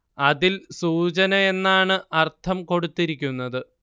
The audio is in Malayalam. അതിൽ സൂചന എന്നാണ് അർത്ഥം കൊടുത്തിരിക്കുന്നത്